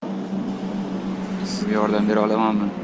sizga yordam bera olamanmi